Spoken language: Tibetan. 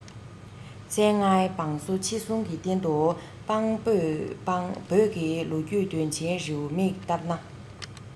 བཙན ལྔའི བང སོ འཆིང གསུང གི རྟེན དུ དཔང བོད ཀྱི ལོ རྒྱུས དོན ཆེན རེའུ མིག ལྟར ན